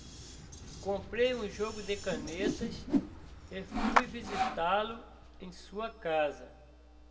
comprei um jogo de canetas e fui visitá-lo em sua casa